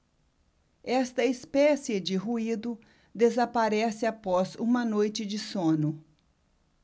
esta espécie de ruído desaparece após uma noite de sono